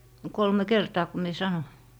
kolme kertaa kun minä sanoin